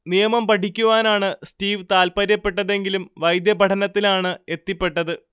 നിയമം പഠിക്കുവാനാണ് സ്റ്റീവ് താൽപര്യപ്പെട്ടതെങ്കിലും വൈദ്യപഠനത്തിനാണ് എത്തിപ്പെട്ടത്